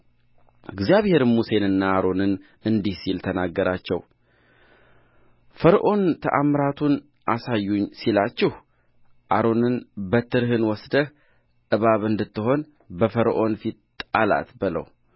እግዚአብሔርም ሙሴንና አሮንን እንዲህ ሲል ተናገራቸው ፈርዖን ተአምራትን አሳዩኝ ሲላችሁ አሮንን በትርህን ወስደህ እባብ እንድትሆን በፈርዖን ፊት ጣላት በለው